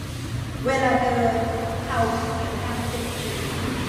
เวลาเดินเข่ามีเสียงดังกึกกึก